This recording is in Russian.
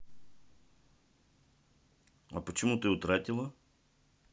а почему ты утратила